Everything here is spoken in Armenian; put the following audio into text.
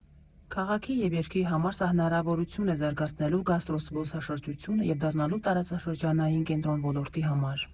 Քաղաքի և երկրի համար սա հնարավորություն է զարգացնելու գաստրո֊զբոսաշրջությունը և դառնալու տարածաշրջանային կենտրոն ոլորտի համար։